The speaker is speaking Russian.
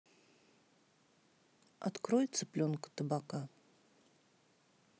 открой цыпленка табака